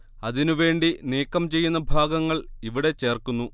അതിനു വേണ്ടി നീക്കം ചെയ്യുന്ന ഭാഗങ്ങൾ ഇവിടെ ചേർക്കുന്നു